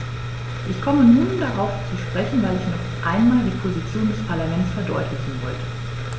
Ich komme nur darauf zu sprechen, weil ich noch einmal die Position des Parlaments verdeutlichen wollte.